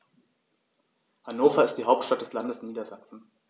Hannover ist die Hauptstadt des Landes Niedersachsen.